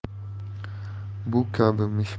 bu kabi mish